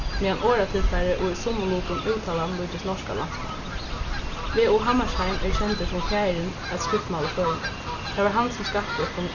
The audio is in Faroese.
meðan orðatilfarið og í summum lutum úttalan líkist norska landsmálinum v u hammershaimb er kendur sum faðirin at skriftmáli føroyinga tað var hann sum skapti okkum